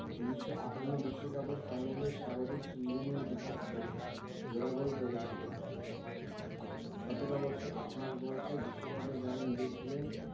১৯৫৮ বিশ্বকাপের ফাইনালে স্বাগতিক সুইডেনের বিপক্ষে জোড়া গোল করেছিলেন ১৭ বছর ৮ মাস বয়সে বিশ্বকাপে জানান দিয়েছিলেন